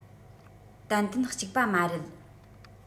ཏན ཏན གཅིག པ མ རེད